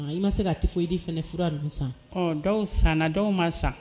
Ɔ,i ma se ka typhoïde fura ninnu san,ɔ dɔw sanna, dɔw ma san.